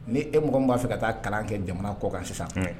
Ni e mɔgɔ b'a fɛ ka taa kalan kɛ jamana kɔ kan sisan